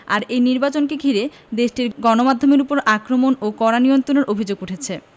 আর এই নির্বাচনকে ঘিরে দেশটির গণমাধ্যমের ওপর আক্রমণ ও কড়া নিয়ন্ত্রণের অভিযোগ উঠেছে